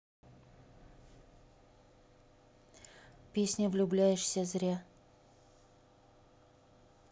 песня влюбляешься зря